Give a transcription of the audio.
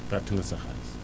perte nga sa xaalis